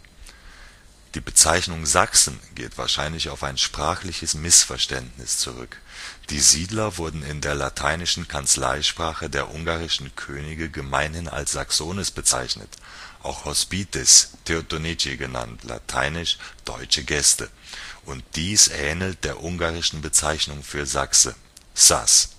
Bezeichnung „ Sachsen” geht wahrscheinlich auf ein sprachliches Missverständnis zurück. Die Siedler wurden in der lateinischen Kanzleisprache der ungarischen Könige gemeinhin als „ Saxones” bezeichnet (auch Hospites Theotonici genannt - lateinisch: ' deutsche Gäste ') und dies ähnelt der ungarischen Bezeichnung für Sachse (szász, gespr.: ßaaß